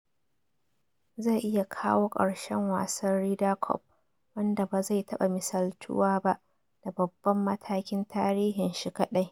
Zai iya kawo ƙarshen wasan Ryder Cup wanda ba zai taɓa misaltuwa ba da babban matakin tarihin shi kadai.